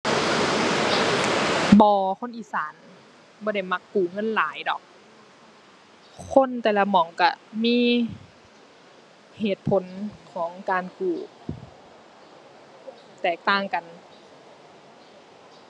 บ่ คนอีสานบ่ได้มักกู้เงินหลายดอก คนแต่ละหม้องก็มีเหตุผลของการกู้แตกต่างกัน